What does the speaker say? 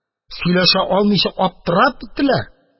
Сөйләшә алмыйча аптырап беттеләр